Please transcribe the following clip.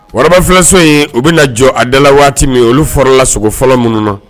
Wara filɛso in u bɛna na jɔ adala waati min olu fɔra la sogo fɔlɔ minnu na